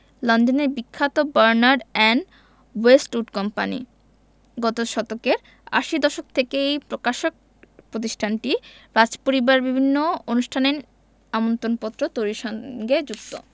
লন্ডনের বিখ্যাত Barnard and Westwood company গত শতকের আশির দশক থেকে এই প্রকাশক প্রতিষ্ঠানটি রাজপরিবারের বিভিন্ন অনুষ্ঠানের আমন্ত্রণপত্র তৈরির সঙ্গে যুক্ত